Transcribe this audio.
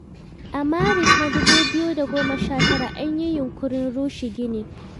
A Maris na 2019, an yi yunƙurin rushe ginin.